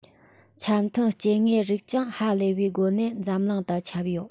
ཆ མཐུན སྐྱེ དངོས རིགས ཀྱང ཧ ལས པའི སྒོ ནས འཛམ གླིང དུ ཁྱབ ཡོད